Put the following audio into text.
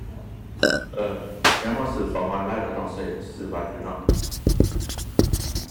เออ ยามเราซื้อของออนไลน์เราต้องเรา ซื้อบัตรอยู่เนาะ